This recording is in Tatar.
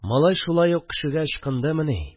Малай шулай ук кешегә ычкындымыни